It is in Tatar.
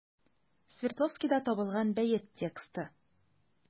Свердловскида табылган бәет тексты.